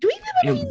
Dwi ddim yr un...